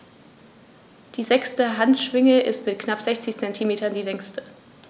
Die sechste Handschwinge ist mit knapp 60 cm die längste.